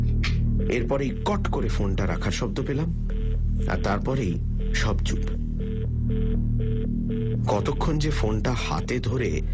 এর পরেই কট করে ফোনটা রাখার শব্দ পেলাম আর তার পরেই সব চুপ কতক্ষণ যে ফোনটা হাতে ধরে